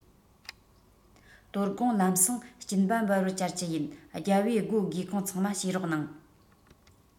དོ དགོང ལམ སེང སྐྱིན པ འབུལ བར བཅར གྱི ཡིན རྒྱལ པོས སྒོ སྒེའུ ཁུང ཚང མ ཕྱེ རོགས གནང